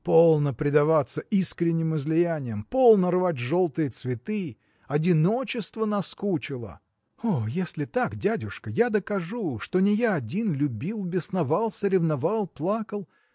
Полно предаваться искренним излияниям, полно рвать желтые цветы! Одиночество наскучило. – О если так дядюшка я докажу что не я один любил бесновался ревновал плакал.